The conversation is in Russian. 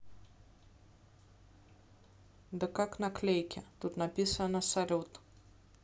да как наклейки тут написано салют